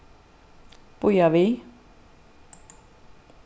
bíða við